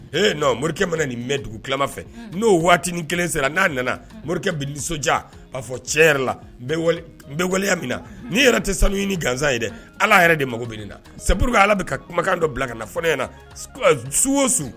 Ee morikɛ mana nin bɛ dugu kima fɛ n'o waati ni kelen sera n'a nana morikɛ bilisiso'a fɔ cɛ yɛrɛ la n np waleya min na nii yɛrɛ tɛ sanu ni gansan ye dɛ ala yɛrɛ de mago bɛ na seuruka ala bɛ ka kumakan dɔ bila ka na fɔ ɲɛna na su o su